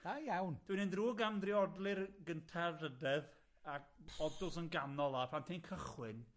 Da iawn! Dwi'n un ddrwg am drio odli'r gynta a'r drydedd a odls yn ganol a phan ti'n cychwyn